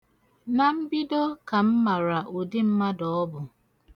Na mbido ka m mara ụdị mmadụ ọ bụ.